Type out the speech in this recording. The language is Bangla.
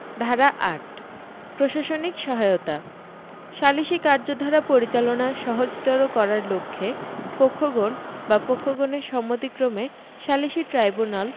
ধারা ৮ প্রশাসনিক সহায়তাঃ সালিসী কার্যধারা পরিচালনা সহজতর করার লক্ষ্যে পক্ষগণ বা পক্ষগণের সম্মতিক্রমে সালিসী ট্রাইব্যুনাল